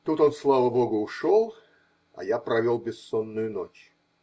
Тут он, слава Богу, ушел, а я провел бессонную ночь.